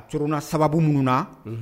A cruna sababu minnu na